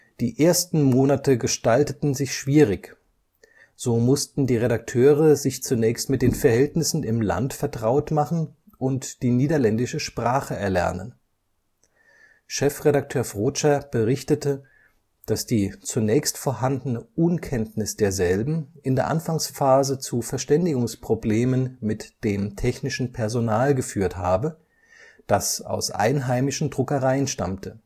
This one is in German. Die ersten Monate gestalteten sich schwierig, so mussten die Redakteure sich zunächst mit den Verhältnissen im Land vertraut machen und die niederländische Sprache erlernen. Chefredakteur Frotscher berichtete, dass die zunächst vorhandene Unkenntnis derselben in der Anfangsphase zu Verständigungsproblemen mit dem technischen Personal geführt habe, das aus einheimischen Druckereien stammte